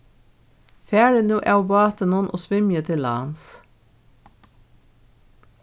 farið nú av bátinum og svimjið til lands